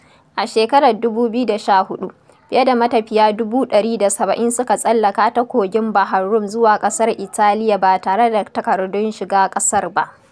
A shekarar 2014, fiye da matafiya 170,000 suka tsallaka ta Kogin Bahar Rum zuwa ƙasar Italiya ba tare da takardun shiga ƙasar ba.